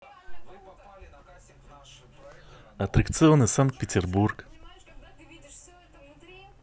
аттракционы санкт петербург